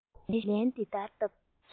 བྱེད བཞིན ལན དེ ལྟར བཏབ